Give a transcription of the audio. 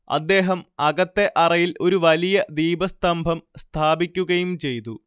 അദ്ദേഹം അകത്തെ അറയിൽ ഒരു വലിയ ദീപസ്തംഭം സ്ഥാപിക്കുകയും ചെയ്തു